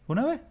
Hwnna yw e?